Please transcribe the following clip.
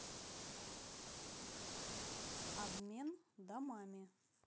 обмен домами